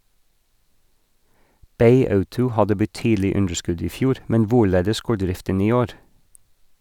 - Bay Auto hadde betydelig underskudd i fjor, men hvorledes går driften i år?